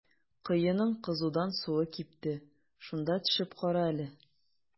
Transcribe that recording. Коеның кызудан суы кипте, шунда төшеп кара әле.